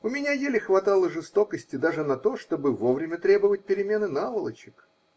У меня еле хватало жестокости даже на то, чтобы вовремя требовать перемены наволочек.